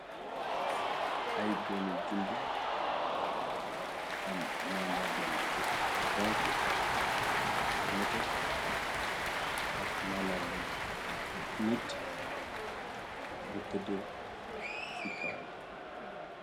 ay doomi jumb am màndarga lu xonk yu nate ak mànnarga nit bu tëdd ci kawam